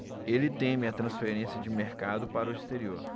ele teme a transferência de mercado para o exterior